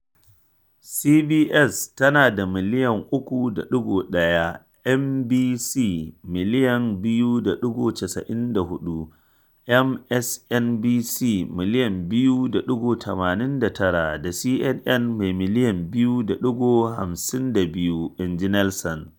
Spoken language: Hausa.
CBS tana da miliyan 3.1, NBC miliyan 2.94, MSNBC miliyan 2.89 da CNN mai miliyan 2.52, inji Nielsen.